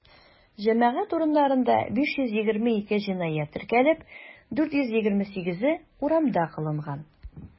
Җәмәгать урыннарында 522 җинаять теркәлеп, 428-е урамда кылынган.